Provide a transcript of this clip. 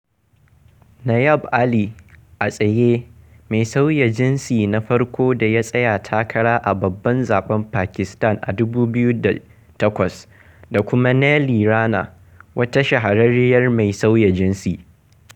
Nayaab Ali (a tsaye), mai sauya jinsi na farko da ya tsaya takara a babban zaɓen Pakistan a 2008, da kuma Neeli Rana, wata shahararriya mai sauya jinsi.